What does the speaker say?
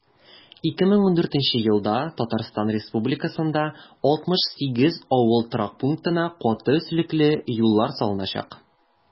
2014 елда татарстан республикасында 68 авыл торак пунктына каты өслекле юллар салыначак.